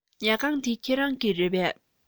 ཉལ ཁང འདི ཁྱེད རང གི རེད པས